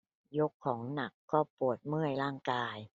ยกของหนักก็ปวดเมื่อยร่างกาย